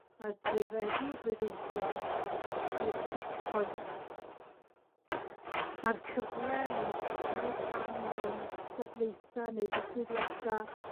a gwireddu 'u breuddwydion, ydi'r checkpoints, a'r cyfle i gymryd rhan mewn cystadlaetha neu ddigwyddiada'